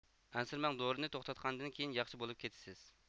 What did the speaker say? ئەنسىرىمەڭ دورىنى توختاتقاندىن كېيىن ياخشى بولۇپ كېتىسىز